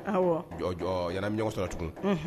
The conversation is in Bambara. Yɛrɛ min ɲɔgɔn sɔrɔ tugun